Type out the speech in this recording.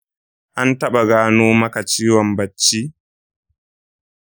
an taba gano maka ciwon bacci?